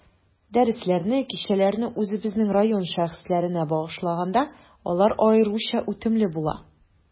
Дәресләрне, кичәләрне үзебезнең район шәхесләренә багышлаганда, алар аеруча үтемле була.